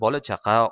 bola chaqa